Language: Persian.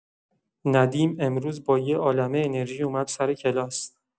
ندیم امروز با یه عالمه انرژی اومد سر کلاس.